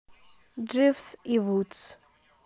дживс и вудс